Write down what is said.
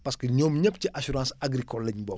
parce que énoom ñëpp ci assurance agricole la ñu bokk